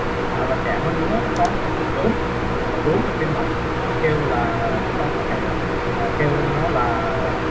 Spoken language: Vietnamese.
tuổi trẻ hơn nữa đã có những cái đốm đốm ở trên mặt ta kêu là chúng ta có thể là kêu nó là